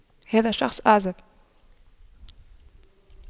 هذا الشخص أعزب